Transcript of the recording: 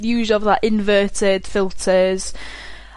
iwsio fatha inverted filters